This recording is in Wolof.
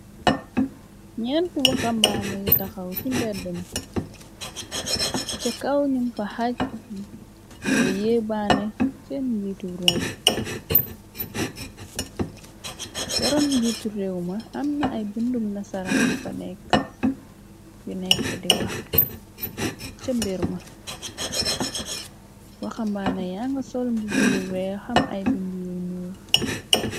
Nyent waxambaane yu taxaw ci mbeddm ca kaw ñum fa xaaj da yee baane caroon njiitu réew. Ma am na ay bindum na saraan yu fa nekk yu nekk di wax ca mbir ma. Waxambaane yang sol mbi buyu réew xam ay bindu yu nuir.